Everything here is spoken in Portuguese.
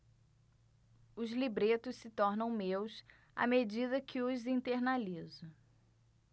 os libretos se tornam meus à medida que os internalizo